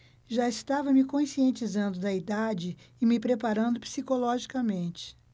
já estava me conscientizando da idade e me preparando psicologicamente